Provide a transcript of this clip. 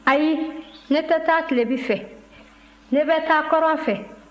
ayi ne tɛ taa tilebin fɛ ne bɛ taa kɔrɔn fɛ